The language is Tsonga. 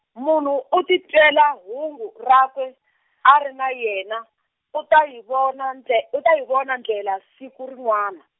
munhu u titwela hungu rakwe, a ri na yena, u ta yi vona ndle-, u ta yi vona ndlela siku rin'wana.